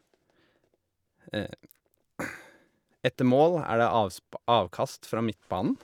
Etter mål er det avsp avkast fra midtbanen.